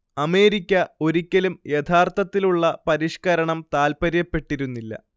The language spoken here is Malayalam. അമേരിക്ക ഒരിക്കലും യഥാർത്ഥത്തിലുള്ള പരിഷ്കരണം താല്പര്യപ്പെട്ടിരുന്നില്ല